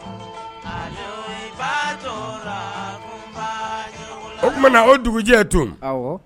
O tuma na o dugujɛ ye to